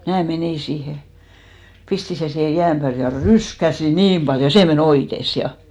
minä menin siihen pistin sen siihen jään päälle ja ryskäsin niin paljon se meni oites ja